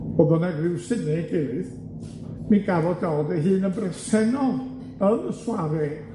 Bo' bynnag rywsut neu gilydd, mi gafodd Dodd ei hun yn bresennol yn y soirée.